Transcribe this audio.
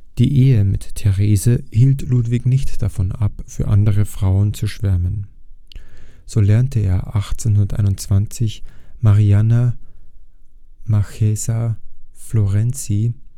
Die Ehe mit Therese hielt Ludwig nicht davon ab, für andere Frauen zu schwärmen. So lernte er 1821 Marianna Marchesa Florenzi